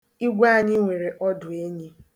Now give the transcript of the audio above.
Igwe anyị nwere ọdụenyi.